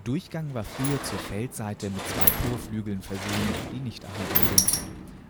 Durchgang war früher zur Feldseite mit zwei Torflügeln versehen, die nicht erhalten sind.